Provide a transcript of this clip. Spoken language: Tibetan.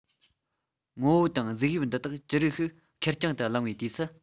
ངོ བོ དང གཟུགས དབྱིབས འདི དག ཅི རིགས ཤིག ཁེར རྐྱང དུ གླེང བའི དུས སུ